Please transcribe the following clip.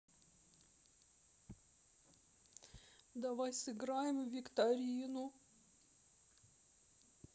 давай сыграем в викторину